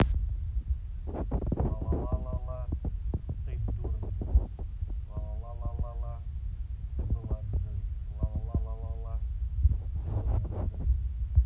ла ла ла ла ла ты дура джой ла ла ла ла ла та была джой ла ла ла ла ла ты была джой